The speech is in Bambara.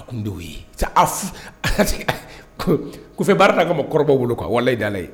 A kun ye baara' a ka ma kɔrɔ wolo ko wayi dalen ye